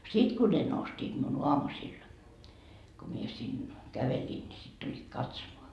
sitten kun ne nostivat minun aamusilla kun minä sinne kävelin niin sitten tulivat katsomaan